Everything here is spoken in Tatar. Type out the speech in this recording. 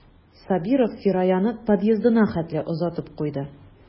Сабиров Фираяны подъездына хәтле озатып куйды.